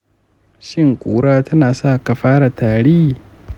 shin kura tana sa ka fara tari?